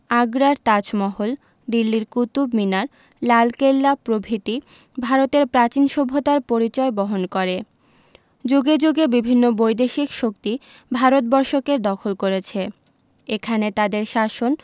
আগ্রার তাজমহল দিল্লির কুতুব মিনার লালকেল্লা প্রভৃতি ভারতের প্রাচীন সভ্যতার পরিচয় বহন করে যুগে যুগে বিভিন্ন বৈদেশিক শক্তি ভারতবর্ষকে দখল করেছে এখানে তাদের শাসন